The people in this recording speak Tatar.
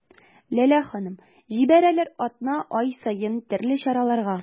Ләлә ханым: җибәрәләр атна-ай саен төрле чараларга.